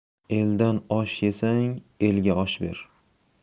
eldan osh yesang elga osh ber